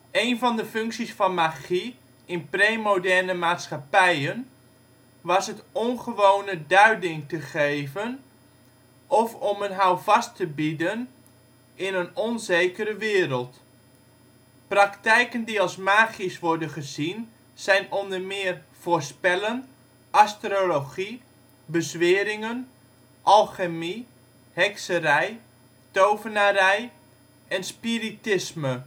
Een van de functies van magie in premoderne maatschappijen was het ongewone duiding te geven of om een houvast te bieden in een onzekere wereld. Praktijken die als magisch worden gezien zijn onder meer voorspellen, astrologie, bezweringen, alchemie, hekserij, tovenarij en spiritisme